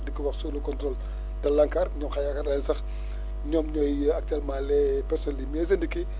di ko wax sous le contrôle de l' ANCAR ñoom * sax ñoom ñooy actuellement les personnes les mieux indiquées